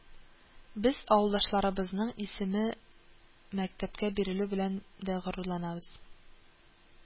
Без авылдашыбызның исеме мәктәпкә бирелү белән дә горурланабыз